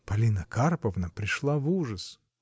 Полина Карповна пришла в ужас.